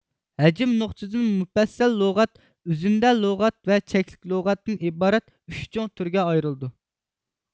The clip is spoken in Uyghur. ھەجىم نۇقتىسىدىن مۇپەسسەل لۇغەت ئۈزۈندە لۇغەت ۋە چەكلىك لۇغەتتىن ئىبارەت ئۈچ چوڭ تۈرگە ئايرىلىدۇ